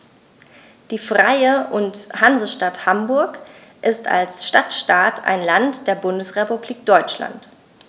Die Freie und Hansestadt Hamburg ist als Stadtstaat ein Land der Bundesrepublik Deutschland.